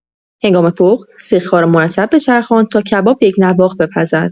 هنگام پخت، سیخ‌ها را مرتب بچرخان تا کباب یکنواخت بپزد.